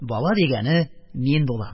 "бала" дигәне мин булам.